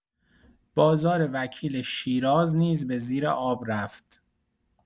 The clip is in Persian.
بازار وکیل شیراز نیز به زیر آب رفت.